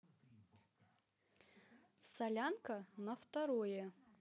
солянка на второе